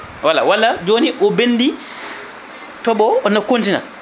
wola walla joni o ɓendi tooɓo no kontina